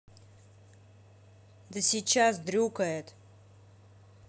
да сейчас дрюкает